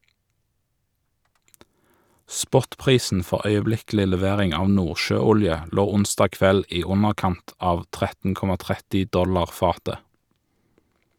Spot-prisen for øyeblikkelig levering av nordsjøolje lå onsdag kveld i underkant av 13,30 dollar fatet.